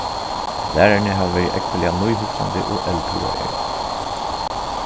lærararnir hava verið ógvuliga nýhugsandi og eldhugaðir